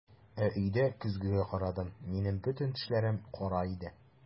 Ә өйдә көзгегә карадым - минем бөтен тешләрем кара иде!